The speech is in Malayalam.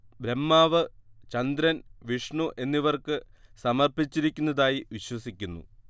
ബ്രഹ്മാവ് ചന്ദ്രൻ വിഷ്ണു എന്നിവർക്ക് സമർപ്പിച്ചിരിക്കുന്നതായി വിശ്വസിക്കുന്നു